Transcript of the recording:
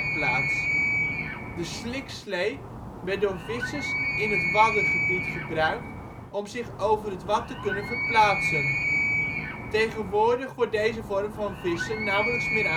plaats. De slikslee werd door vissers in het waddengebied gebruikt om zich over het wad te kunnen verplaatsen. Tegenwoordig wordt deze vorm van vissen nauwelijks meer